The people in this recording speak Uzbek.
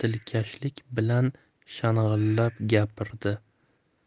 dilkashlik bilan shang'illab gapirdi